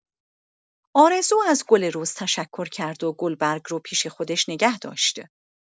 آرزو از گل رز تشکر کرد و گلبرگ رو پیش خودش نگه داشت.